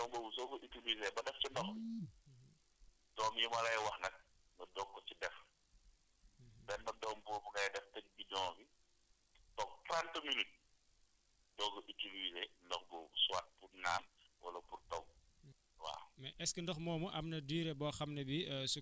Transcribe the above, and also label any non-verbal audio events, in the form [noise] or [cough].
nga doog a utiliser bidon boobu bidon boobu soo ko utiliser ba def sa ndox [noise] doom yi ma lay wax nag nga doog ko ci def benn doom boobu ngay def tëj bidon bi toog trente minute doog a utiliser ndox boobu soit pour naan wala pour togg waaw